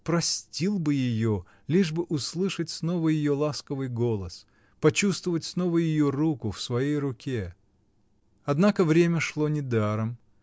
простил бы ее, лишь бы услышать снова ее ласковый голос, почувствовать снова ее руку в своей руке. Однако время шло недаром.